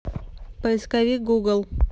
поисковик google